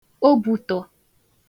obụụ̀tọ